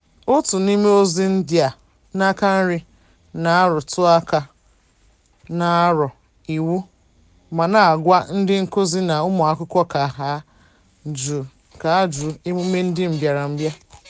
Otu n'ime ozi ndị a (n'aka nri) na-arụtụaka na- "Aro" iwu, ma na-agwa ndị nkuzi na ụmụakwụkwọ ka ha jụ emume ndị mbịarambịa.